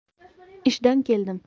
ishdan keldim